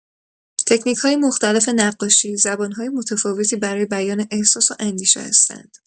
تکنیک‌های مختلف نقاشی، زبان‌های متفاوتی برای بیان احساس و اندیشه هستند.